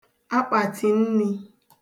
akpàtìnnī